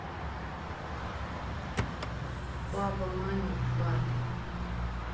баба маня и барби